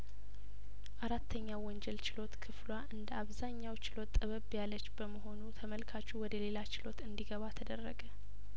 አራተኛ ወንጀል ችሎት ክፍሏ እንደ አብዛኛው ችሎት ጠበብ ያለች በመሆኑ ተመልካቹ ወደ ሌላ ችሎት እንዲገባ ተደረገ